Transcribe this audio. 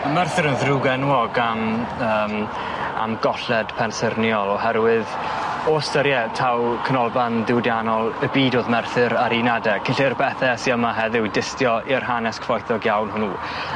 Ma' Merthyr yn ddrwg enwog am yym am golled pensyrniol oherwydd o ystyried taw canolfan diwydiannol y byd o'dd Merthyr ar un adeg cyn lleied o bethe sy yma heddiw i dystio i'r hanes cyfoethog iawn hwnnw.